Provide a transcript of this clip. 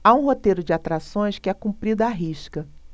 há um roteiro de atrações que é cumprido à risca